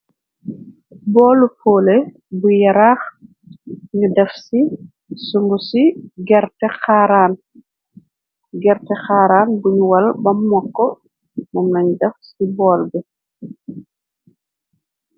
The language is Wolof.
Boolu poole bu yaraax. Nyu def ci sungu ci gerte xaaraan buñu wal ba mokko moom lañu def ci bool bi.